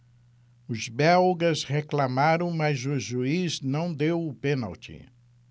os belgas reclamaram mas o juiz não deu o pênalti